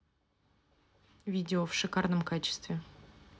видео в шикарном качестве